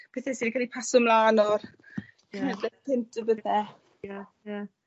pethe sy 'di ca'l 'u paso mlan o... Ie. ...cenedleth cynt a pethe. Ie ie.